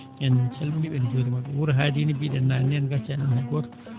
en calminii ɓe en njuuriima ɓe wuro Haady no mbiiɗen naane nii en ngaccaani toon hay gooto